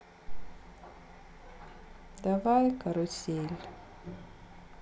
давай карусель